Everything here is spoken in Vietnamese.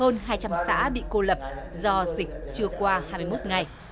hơn hai trăm xã bị cô lập do dịch chưa qua hai mươi mốt ngày